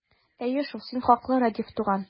Әйе шул, син хаклы, Рәдиф туган!